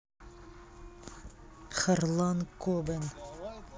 харлан кобен